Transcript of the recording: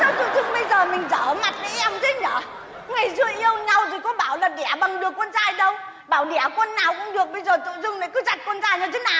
bây giờ mình trở mặt với em thế nhở ngày xưa yêu nhau thì có bảo là đẻ bằng được con trai đâu bảo đẻ con nào cũng được bây giờ tự dưng lại cứ là con trai là thế nào